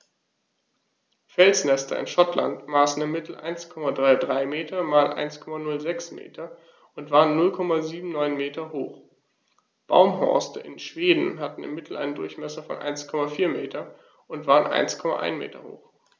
Felsnester in Schottland maßen im Mittel 1,33 m x 1,06 m und waren 0,79 m hoch, Baumhorste in Schweden hatten im Mittel einen Durchmesser von 1,4 m und waren 1,1 m hoch.